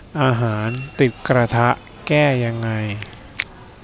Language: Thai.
อาหารติดกระทะแก้ยังไง